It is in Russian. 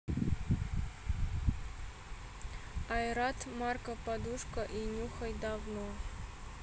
айрат марка подушка и нюхай давно